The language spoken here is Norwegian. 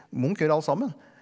Munch gjør alt sammen.